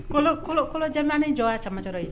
Kolo kolo kolo jama ni jɔya catɔ ye